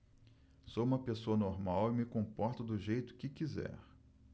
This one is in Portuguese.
sou homossexual e me comporto do jeito que quiser